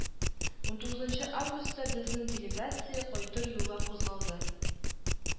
Ун тугызынчы августта безнең делегация кайтыр юлга кузгалды